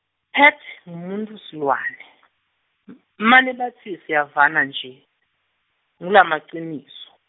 Pat, ngumuntfusilwane , m- mane batsi siyavana nje, ngulamaciniso.